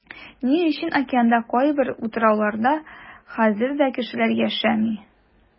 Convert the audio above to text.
Ни өчен океанда кайбер утрауларда хәзер дә кешеләр яшәми?